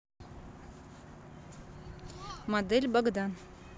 модель богдан